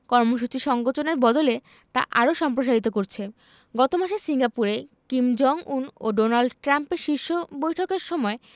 কর্মসূচি সংকোচনের বদলে তা আরও সম্প্রসারিত করছে গত মাসে সিঙ্গাপুরে কিম জং উন ও ডোনাল্ড ট্রাম্পের শীর্ষ বৈঠকের সময়